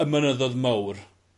Y mynyddo'dd mowr.